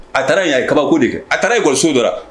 A taara yen a ye kabako de kɛ, a taara lakɔliso dɔ.